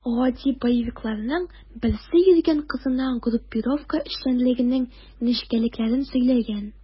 Гади боевикларның берсе йөргән кызына группировка эшчәнлегенең нечкәлекләрен сөйләгән.